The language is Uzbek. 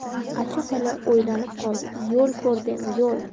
acha xola o'ylanib qoldi yo'l ko'rdem yo'l